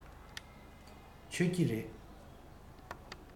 མཆོད ཀྱི རེད